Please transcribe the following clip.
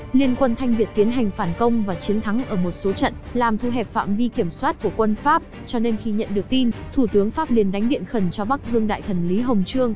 liên quân thanh việt tiến hành phản công và chiến thắng ở số trận làm thu hẹp phạm vi kiểm soát của quân pháp cho nên khi nhận được tin thủ tướng pháp liền đánh điện khẩn cho bắc dương đại thần lý hồng chương